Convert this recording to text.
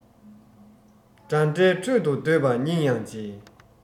འདྲ འདྲའི ཁྲོད དུ སྡོད པ སྙིང ཡང རྗེ